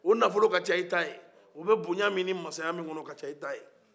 o nafɔlo ka ca ni i ta ye o bɛ boɲa min ni masaya min kɔnɔ o ka ca i ta ye